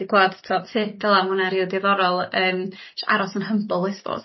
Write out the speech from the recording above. ...'di clŵad top tip fel'a ma' wnna ril diddorol yym isio humble I spose.